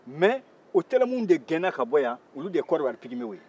mɛ u tɛlɛmunw de gɛnna ka bɔ yan olu de ye kodiwari pikimew ye